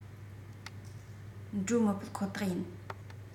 འགྲོ མི ཕོད ཁོ ཐག ཡིན